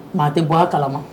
Maa tɛ bɔ kalama